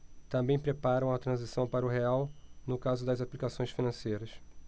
também preparam a transição para o real no caso das aplicações financeiras